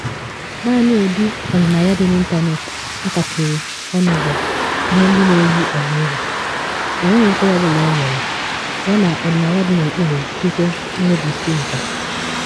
Naanị ụdị ọdịnaya dị n'ịntanetị a kapịrị ọnụ bụ "ihe ndị na-eyi ọha egwu" (enweghị nkọwa ọ bụla enyere) yana ọdịnaya dị n'okpuru ikike nwebisiinka.